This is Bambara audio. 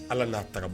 Ala n'a ta